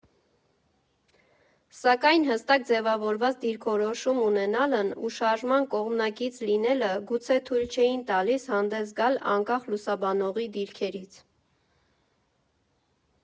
Սակայն հստակ ձևավորված դիրքորոշում ունենալն ու շարժման կողմնակից լինելը գուցե թույլ չէին տալիս հանդես գալ անկախ լուսաբանողի դիրքերից։